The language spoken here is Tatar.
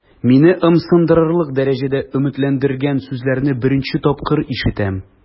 Мине ымсындырырлык дәрәҗәдә өметләндергән сүзләрне беренче тапкыр ишетәм.